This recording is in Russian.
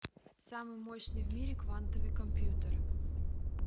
самый мощный в мире квантовый компьютер